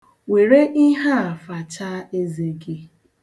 Were ihe a fachaa eze gị.